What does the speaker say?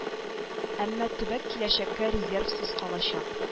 Әмма төбәк киләчәккә резервсыз калачак